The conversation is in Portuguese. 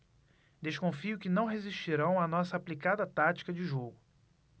desconfio que não resistirão à nossa aplicada tática de jogo